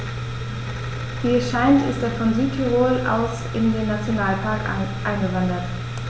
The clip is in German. Wie es scheint, ist er von Südtirol aus in den Nationalpark eingewandert.